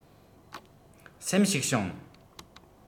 སེམས ཞིག བྱུང